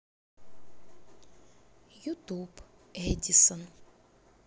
ютуб эдисон